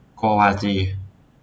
โกวาจี